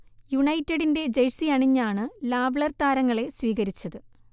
യുണൈറ്റഡിന്റെ ജഴ്സി അണിഞ്ഞാണ് ലാവ്ലെർ താരങ്ങളെ സ്വീകരിച്ചത്